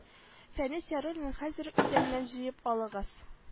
Фәнис яруллин хәзер үк идәннән җыеп алыгыз